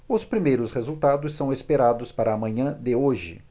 os primeiros resultados são esperados para a manhã de hoje